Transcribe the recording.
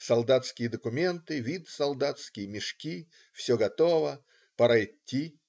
Солдатские документы, вид солдатский, мешки - все готово. Пора идти.